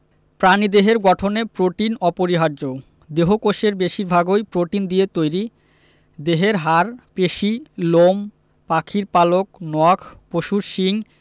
প্রাণীদেহের গঠনে প্রোটিন অপরিহার্য দেহকোষের বেশির ভাগই প্রোটিন দিয়ে তৈরি দেহের হাড় পেশি লোম পাখির পালক নখ পশুর শিং